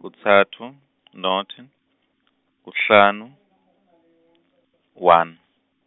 kutsatfu, nought, kuhlanu, one.